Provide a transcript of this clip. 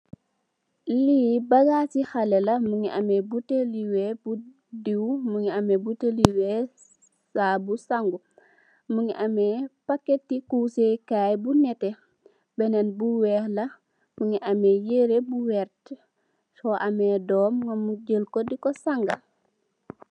Lii bagassi haleh la mungy ameh butehli wekh pur diw, mungy ameh butehli wekh saabu sangu, mungy ameh packeti kuseh kaii bu nehteh, benen bu wekh la mungy ameh yehreh bu wehrt, sor ameh dorm nga jel kor dikor sangah.